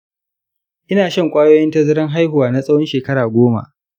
ina shan ƙwayoyin tazaran haihuwa na tsawon shekara goma